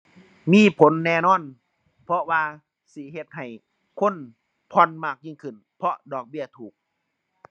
มีผลแน่นอน เพราะว่าสิเฮ็ดให้คนผ่อนมากยิ่งขึ้น เพราะดอกเบี้ยถูก